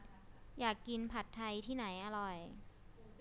อยากกินผัดไทยที่ไหนอร่อย